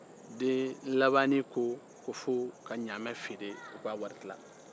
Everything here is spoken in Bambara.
denlabanni ko ko fo ka ɲamɛn feere u k'a wari tilan